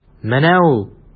Менә ул.